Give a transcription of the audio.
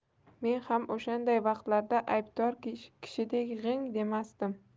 men ham o'shanday vaqtlarda aybdor kishidek g'ing demasdim